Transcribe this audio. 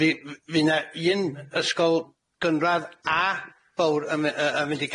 Fy' fy' 'na un ysgol gynradd a fowr yn my- yy yn mynd i